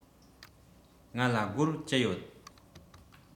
ང ལ སྒོར བཅུ ཡོད